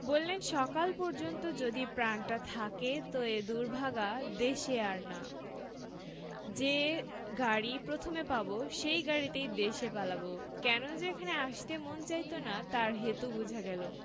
বললেন সকাল পর্যন্ত যদি প্রাণটা থাকে ত এ দুর্ভাগা দেশে আর না যে গাড়ি প্রথমে পাব সেই গাড়িতে দেশে পালাব কেন যে এখানে আসতে মন চাইত না তার হেতু বোঝা গেল